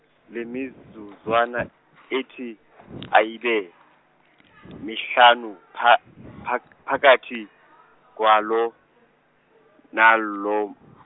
lemizuzwana ethi ayibe mihlanu pha- phak- phakathi, kwalo nalo.